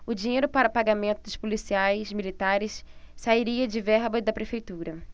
o dinheiro para pagamento dos policiais militares sairia de verba da prefeitura